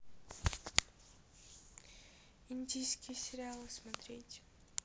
индийские сериалы смотреть